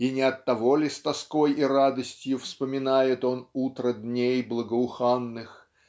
И не оттого ли с тоской и радостью вспоминает он утро дней благоуханных